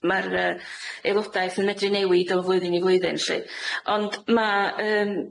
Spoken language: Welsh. Ma'r yy aelodaeth yn medru newid o flwyddyn i flwyddyn lly. Ond ma' yym